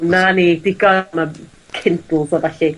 'Na ni digon am y Kindles a ballu.